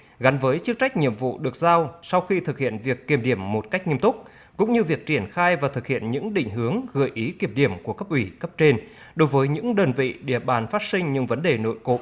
gắn với chức trách nhiệm vụ được giao sau khi thực hiện việc kiểm điểm một cách nghiêm túc cũng như việc triển khai và thực hiện những định hướng gợi ý kiểm điểm của cấp ủy cấp trên đối với những đơn vị địa bàn phát sinh những vấn đề nổi cộm